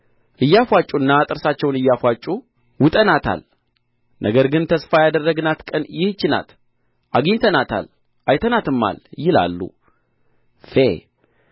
እያፍዋጩና ጥርሳቸውን እያፋጩ ውጠናታል ነገር ግን ተስፋ ያደረግናት ቀን ይህች ናት አግኝተናታል አይተናትማል ይላሉ ፌ